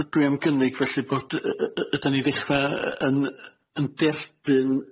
Dwi am gynnig felly bod y y y ydan ni i ddechra' yn yn derbyn